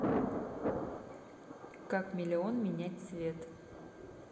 как миллион менять свет